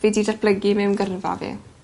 fi'di datblygu mewn gyrfa fi.